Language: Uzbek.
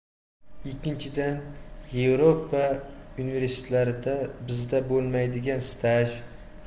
ikkinchidan yevropa universitetlarida bizda bo'lmaydigan staj har